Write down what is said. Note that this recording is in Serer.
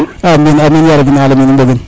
amin amin rabil alamiin